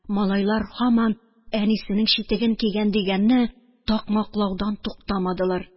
Малайлар һаман «әнисенең читеген кигән» дигәнне такмаклаудан туктамадылар.